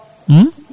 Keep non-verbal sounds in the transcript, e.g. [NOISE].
[SMACKS LIPS]